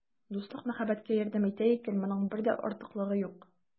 Дуслык мәхәббәткә ярдәм итә икән, моның бер дә артыклыгы юк.